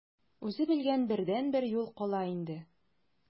Үзе белгән бердәнбер юл кала инде.